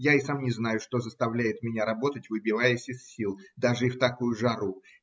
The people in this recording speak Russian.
Я и сам не знаю, что заставляет меня работать, выбиваясь из сил, даже и в такую жару.